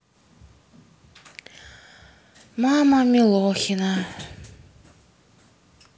мама милохина